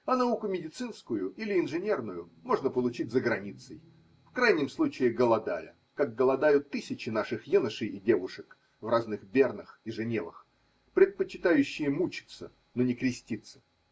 А науку медицинскую или инженерную можно получить заграницей, в крайнем случае голодая, как голодают тысячи наших юношей и девушек в разных Бернах и Женевах, предпочитающие мучиться, но не креститься.